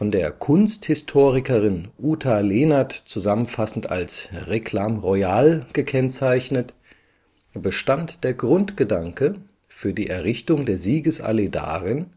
der Kunsthistorikerin Uta Lehnert zusammenfassend als „ Réclame Royale “gekennzeichnet, bestand der Grundgedanke für die Errichtung der Siegesallee darin